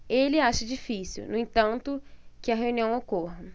ele acha difícil no entanto que a reunião ocorra